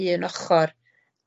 un ochor